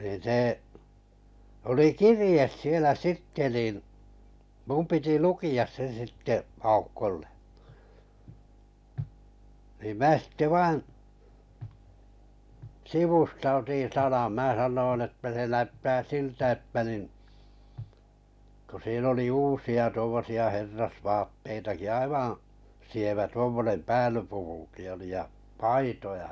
niin se oli kirje siellä sitten niin minun piti lukea se sitten Aukolle niin minä sitten vain sivusta otin sanan minä sanoin että se näyttää siltä että niin kun siinä oli uusia tuommoisia herrasvaatteitakin aivan sievä tuommoinen päällyspukukin oli ja paitoja ja